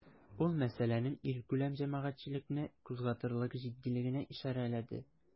Ул мәсьәләнең илкүләм җәмәгатьчелекне кузгатырлык җитдилегенә ишарәләде.